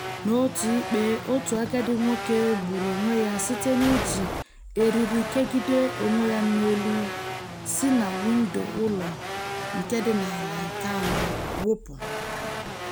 N’otu ikpe, otu agadi nwoke gburu onwe ya site n’iji eriri kegide onwe ya n’olu si na windo ụlọ nke dị n’ala nke anọ wụpụ.